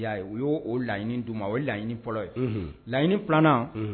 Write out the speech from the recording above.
' yo laɲini o laɲiniini ye laɲiniini filanan